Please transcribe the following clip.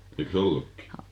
eikös ollutkin